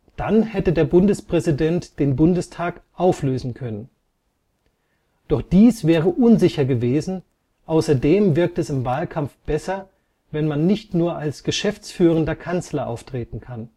Dann hätte der Bundespräsident den Bundestag auflösen können. Doch dies wäre unsicher gewesen, außerdem wirkt es im Wahlkampf besser, wenn man nicht nur als geschäftsführender Kanzler auftreten kann